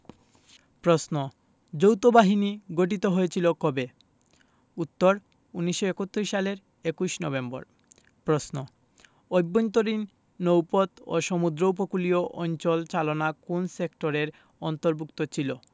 প্রশ্ন যৌথবাহিনী গঠিত হয়েছিল কবে উত্তর ১৯৭১ সালের ২১ নভেম্বর প্রশ্ন অভ্যন্তরীণ নৌপথ ও সমুদ্র উপকূলীয় অঞ্চল চালনা কোন সেক্টরের অন্তভুর্ক্ত ছিল